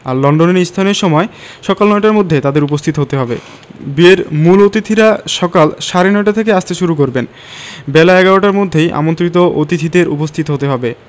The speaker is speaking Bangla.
আর লন্ডনের স্থানীয় সময় সকাল নয়টার মধ্যে তাঁদের উপস্থিত হতে হবে বিয়ের মূল অতিথিরা সকাল সাড়ে নয়টা থেকে আসতে শুরু করবেন বেলা ১১টার মধ্যেই আমন্ত্রিত অতিথিদের উপস্থিত হতে হবে